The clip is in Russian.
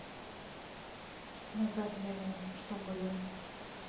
назад верни что было